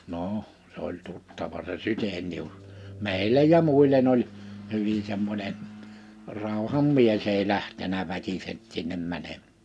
no se oli tuttava se Chydenius meille ja muille oli hyvin semmoinen rauhan mies ei lähtenyt väkisin sinne menemään